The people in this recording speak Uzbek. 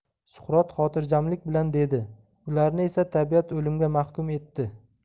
suqrot xotirjamlik bilan dedi ularni esa tabiat o'limga mahkum etdi